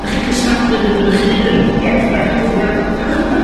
...'dach chi'n cystadlu yn erbyn 'tch hun. Ie ie yn union.